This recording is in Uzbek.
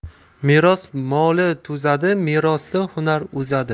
meros moli to'zadi merosli hunar o'zadi